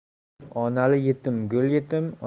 onali yetim gul yetim